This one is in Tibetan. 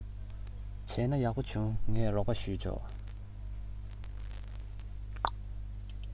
བྱས ན ཡག པོ བྱུང ངས རོགས པ བྱས ཆོག